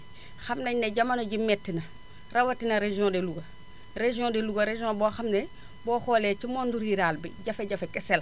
xam nañu ne jamono ji meti na rawatina région de Louga région de Louga région boo xam ne boo xoolee ci monde rural bi jafe-jafe kese la